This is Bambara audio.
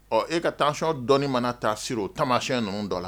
Ɔ e ka taacɔn dɔi mana taa s o taamasiyɛn ninnu dɔ la